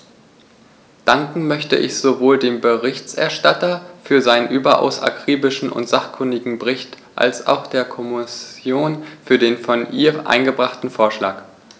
Danken möchte ich sowohl dem Berichterstatter für seinen überaus akribischen und sachkundigen Bericht als auch der Kommission für den von ihr eingebrachten Vorschlag.